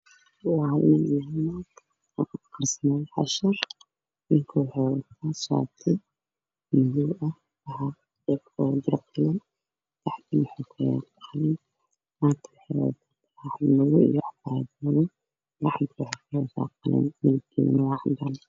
Waa hool waxaa fadhiya laba nin nin iyo naag ah waxaa hor yaalla miis waxaa saaran warqad kuraas ayey ku fadhiyaan waana howl